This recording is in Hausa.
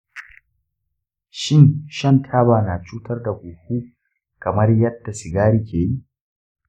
shin shan taba yana cutar da huhu kamar yadda sigari ke yi?